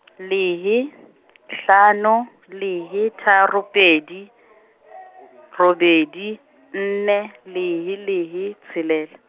lehe, hlano, lehe tharo pedi , robedi, nne, lehe lehe tshelela.